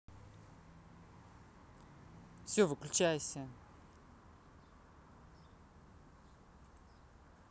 все выключайся